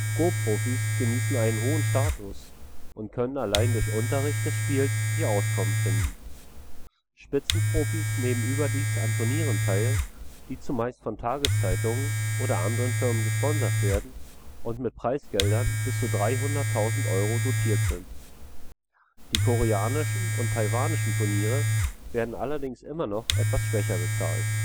Go-Profis genießen einen hohen Status und können allein durch Unterricht des Spiels ihr Auskommen finden. Spitzenprofis nehmen überdies an Turnieren teil, die zumeist von Tageszeitungen oder anderen Firmen gesponsert werden und mit Preisgeldern bis 300.000 Euro dotiert sind. Die koreanischen und taiwanischen Turniere werden allerdings immer noch etwas schwächer bezahlt